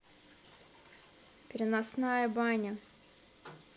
переносная баня